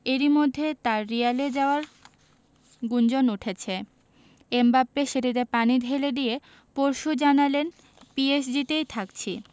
এরই মধ্যে তাঁর রিয়ালে যাওয়ার গুঞ্জন উঠেছে এমবাপ্পে সেটিতে পানি ঢেলে দিয়ে পরশু জানালেন পিএসজিতেই থাকছি